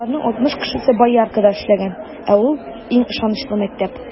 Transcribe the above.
Аларның алтмыш кешесе Бояркада эшләгән, ә ул - иң ышанычлы мәктәп.